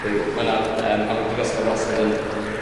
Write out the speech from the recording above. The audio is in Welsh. byw ma' 'na yym a ma'r brifysgol wastad yn neis iawn a